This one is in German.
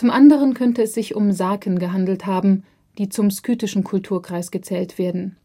anderen könnte es sich um Saken gehandelt haben, die zum skythischen Kulturkreis gezählt werden